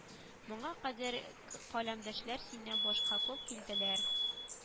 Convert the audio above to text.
Моңа кадәр каләмдәшләр синнән башка күп килделәр